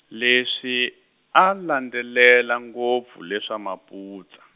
leswi, a landzelela ngopfu leswa maputsu.